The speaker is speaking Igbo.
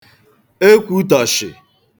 Ekwūtọ̀shị̀